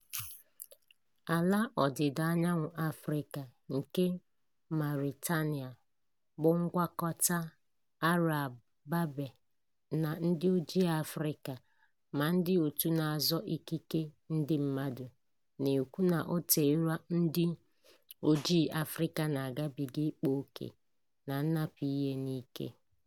Ala Ọdịda Anyanwụ Afịrịka nke Mauritania bụ ngwakọta Arab-Berber na ndị oji Afịrịka ma ndị òtù na-azọ ikike ndị mmadụ na-ekwu na oteela ndị oji Afịrịka na-agabiga ịkpa oke na nnapụ ihe n'ike.